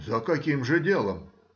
— За каким же делом?